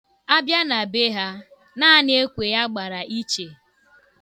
A bịa na be ha, naanị ekwe ya gbara iche.